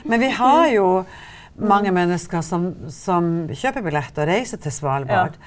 men vi har jo mange mennesker som som kjøper billett og reiser til Svalbard.